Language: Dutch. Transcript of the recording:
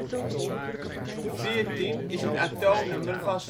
Veertien is het atoomnummer van